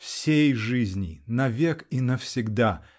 -- Всей жизни, навек и навсегда!